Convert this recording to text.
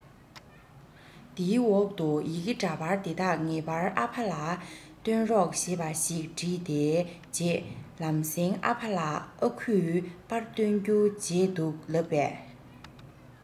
དེའི འོག ཏུ ཡི གེ འདྲ པར དེ དག ངེས པར ཨ ཕ ལ བཏོན རོགས ཞེས པ ཞིག བྲིས དེའི རྗེས ལམ སེང ཨ ཕ ལ ཨ ཁུས པར བཏོན རྒྱུ བརྗེད འདུག ལབ པས